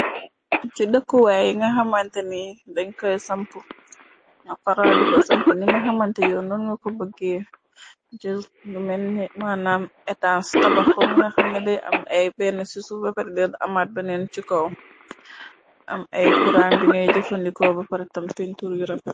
U ci dëkkuwaay yi nga xamante ni, dañ koy aga faral diko samp ni nga xamante yoo noor nga ko bëggee, jël ngu e manam etams tabaxomu, nga xamne de am ay benn ci suuf bapardelu amaat baneen ci kow, am ay kurang bi ngay jëfandikoo, ba paratam piñ tur yurafe.